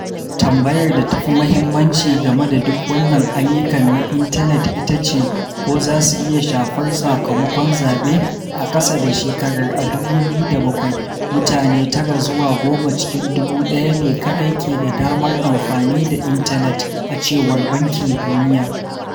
Tambayar da ta fi muhimmanci game da duk wannan ayyukan na intanet ita ce ko za su iya shafar sakamakon zabe, a ƙasa da shekarar a 2007, mutane 9 zuwa 10 cikin 1000 ne kawai ke da damar amfani da intanet, a cewar Bankin Duniya.